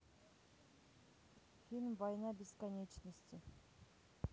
фильм война бесконечности